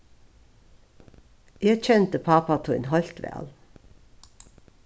eg kendi pápa tín heilt væl